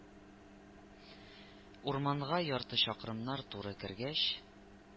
Урманга ярты чакрымнар туры кергәч